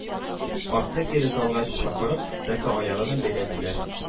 Картны кире залга чыгарып сәке аягына бәйләделәр